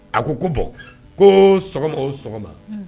A ko ko bɔn ko sɔgɔma o sɔgɔma, unhun.